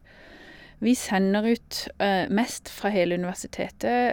Vi sender ut mest fra hele universitetet.